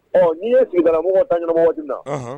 Ɔ n'i ye dugulamɔgɔ da ɲɛnamɔgɔ dun na